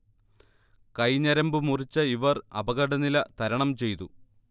കൈ ഞരമ്ബ് മുറിച്ച ഇവർ അപകടനില തരണം ചെയ്തു